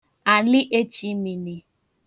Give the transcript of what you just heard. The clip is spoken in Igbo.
alịechimini